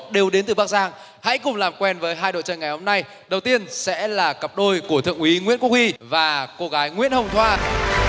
đều đến từ bắc giang hãy cùng làm quen với hai đội chơi ngày hôm nay đầu tiên sẽ là cặp đôi của thượng úy nguyễn quốc huy và cô gái nguyễn hồng thoa